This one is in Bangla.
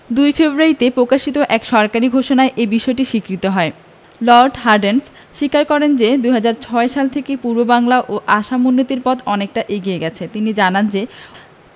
২ ফেব্রুয়ারিতে প্রকাশিত এক সরকারি ঘোষণায় এ বিষয়টি স্বীকৃত হয় লর্ড হার্ডিঞ্জ স্বীকার করেন যে ১৯০৬ সাল থেকে পূর্ববাংলা ও আসাম উন্নতির পথে অনেকটা এগিয়ে গেছে তিনি জানান যে